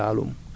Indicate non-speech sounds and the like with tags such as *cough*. *hesitation* *hesitation*